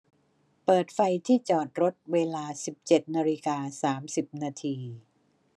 เปิดไฟที่จอดรถเวลาสิบเจ็ดนาฬิกาสามสิบนาที